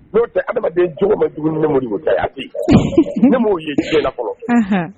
N dɔw tɛ adamadamaden cogo bɛ dugu nemo ta nɛma ye jo la fɔlɔ